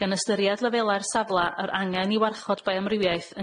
gan ystyriad lefela'r safla a'r angen i warchod baioamrywiaeth